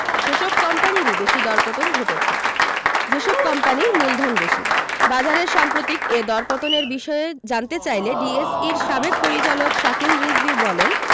সেসব কোম্পানিরই বেশি দরপতন ঘটেছে যেসব কোম্পানির মূলধন বেশি বাজারের সাম্প্রতিক এ দরপতনের বিষয়ে জানতে চাইলে ডিএসইর সাবেক পরিচালক শাকিল রিজভী বলেন